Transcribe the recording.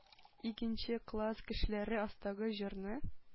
Икенче класс кешеләре астагы җырны